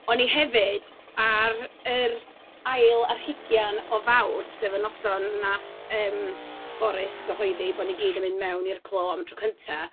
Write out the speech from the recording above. O'n i hefyd, ar yr ail ar hugain o Fawrth, sef y noson wnaeth yym Boris gyhoeddi bo' ni gyd yn mynd mewn i'r clo am y tro cynta...